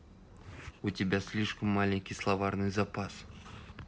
у тебя слишком маленький словарный запас